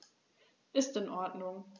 Ist in Ordnung.